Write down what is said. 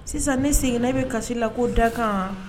Sisan ne seginna e bɛ kasi la ko dakan